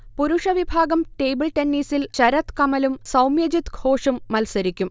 പുരുഷവിഭാഗം ടേബിൾ ടെന്നീസിൽ ശരത് കമലും സൗമ്യജിത് ഘോഷും മൽസരിക്കും